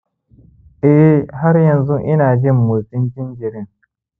eh, har yanzu ina jin motsi jinjirin